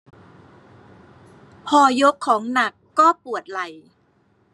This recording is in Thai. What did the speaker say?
พอยกของหนักก็ปวดไหล่